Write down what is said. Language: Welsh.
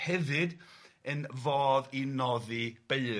yn fodd i noddi beurdd.